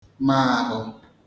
ma āhụ